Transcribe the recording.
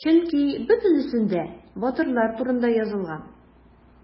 Чөнки бөтенесендә батырлар турында язылган.